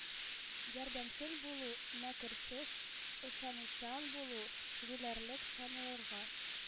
Ярдәмчел булу, мәкерсез, ышанучан булу җүләрлек саналырга